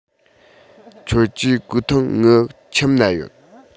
ཁྱོད ཀྱི གོས ཐུང ངའི ཁྱིམ ན ཡོད